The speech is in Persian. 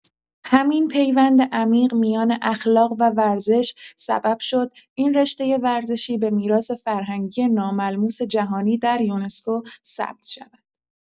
همین پیوند عمیق میان اخلاق و ورزش سبب شد این رشته ورزشی به میراث‌فرهنگی ناملموس جهانی در یونسکو ثبت شود.